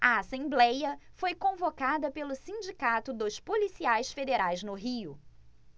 a assembléia foi convocada pelo sindicato dos policiais federais no rio